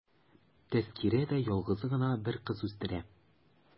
Тәзкирә дә ялгызы гына бер кыз үстерә.